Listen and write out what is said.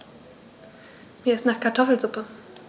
Mir ist nach Kartoffelsuppe.